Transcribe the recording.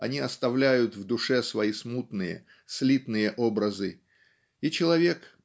они оставляют в душе свои смутные слитные образы и человек